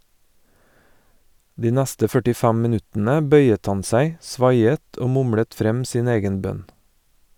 De neste 45 minuttene bøyet han seg, svaiet og mumlet frem sin egen bønn.